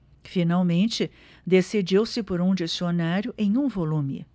finalmente decidiu-se por um dicionário em um volume